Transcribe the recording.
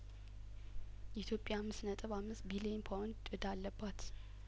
ኢትዮጵያ አምስት ነጥብ አምስት ቢሊዮን ፓውንድ እዳ አለባት